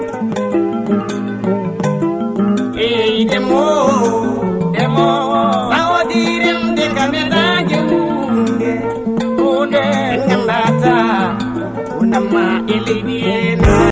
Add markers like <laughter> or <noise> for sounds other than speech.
<music>